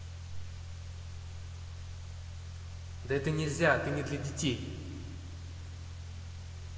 да это нельзя ты не для детей